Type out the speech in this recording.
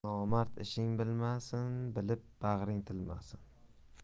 nomard ishing bilmasin bilib bag'ring tilmasin